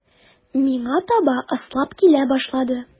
Миңа таба ыслап килә башлады.